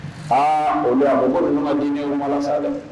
Aa o don a ko bolo n ka dima sa dɛ